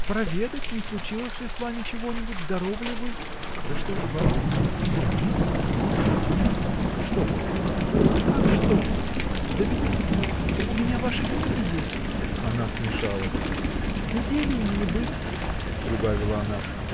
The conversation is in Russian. Проведать, не случилось ли с вами чего-нибудь, здоровы ли вы?. – Да что же вам?. – Что мне? Боже! – Что боже? – Как что!. да ведь. у меня ваши книги есть. – Она смешалась. – Неделю не быть! – прибавила она.